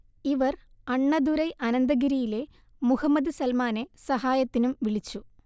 ഇവർ അണ്ണദുരൈ അനന്തഗിരിയിലെ മുഹമ്മദ് സൽമാനെ സഹായത്തിനും വിളിച്ചു